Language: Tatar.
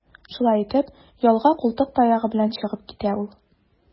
Шулай итеп, ялга култык таягы белән чыгып китә ул.